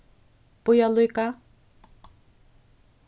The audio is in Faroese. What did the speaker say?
bíða líka